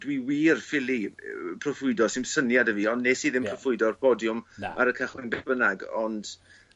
dwi wir ffili yy proffwydo sdim syniad 'dy fi ond nes i ddim proffwydo'r podiwm ar y cychwyn beth bynnag ond ...